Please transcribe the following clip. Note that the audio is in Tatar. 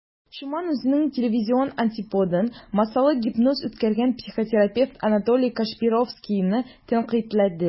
Чумак үзенең телевизион антиподын - массалы гипноз үткәргән психотерапевт Анатолий Кашпировскийны тәнкыйтьләгән.